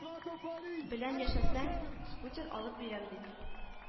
Белән яшәсәң, скутер алып бирәм, дип